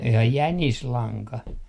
jaa jänislanka